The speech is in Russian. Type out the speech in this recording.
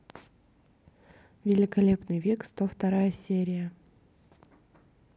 великолепный век сто вторая серия